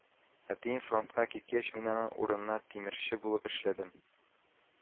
Әтием фронтка киткәч, мин аның урынына тимерче булып эшләдем